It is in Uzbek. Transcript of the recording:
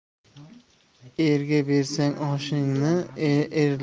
erga bersang oshingni